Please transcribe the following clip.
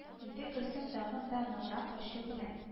Диде гөлсем тагын да ныграк ачу белән